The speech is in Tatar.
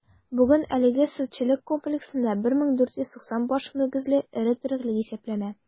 Бүген әлеге сөтчелек комплексында 1490 баш мөгезле эре терлек исәпләнә.